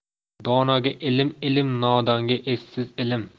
donoga ilm ilm nodonga essiz ilm